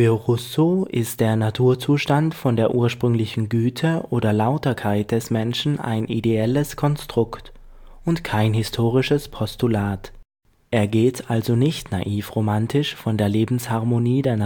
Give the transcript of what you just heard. Rousseau ist der Naturzustand von der ursprünglichen Güte oder Lauterkeit des Menschen ein ideelles Konstrukt und kein historisches Postulat, er geht also nicht naiv-romantisch von der Lebensharmonie der